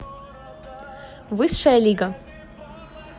высшая лига